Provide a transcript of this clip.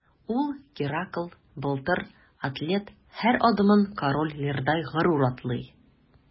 Ул – Геракл, Былтыр, атлет – һәр адымын Король Лирдай горур атлый.